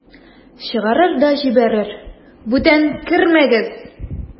Чыгарыр да җибәрер: "Бүтән кермәгез!"